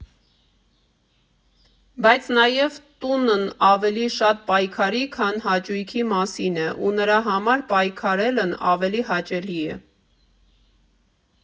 Բայց նաև տունն ավելի շատ պայքարի, քան հաճույքի մասին է ու նրա համար պայքարելն ավելի հաճելի է։